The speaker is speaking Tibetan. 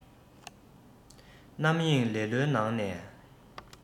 རྣམ གཡེང ལེ ལོའི ནང ནས